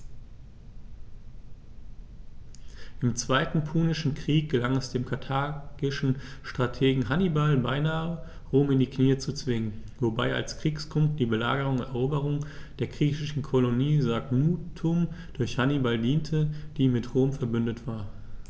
Im Zweiten Punischen Krieg gelang es dem karthagischen Strategen Hannibal beinahe, Rom in die Knie zu zwingen, wobei als Kriegsgrund die Belagerung und Eroberung der griechischen Kolonie Saguntum durch Hannibal diente, die mit Rom „verbündet“ war.